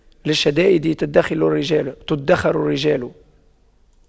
للشدائد تُدَّخَرُ الرجال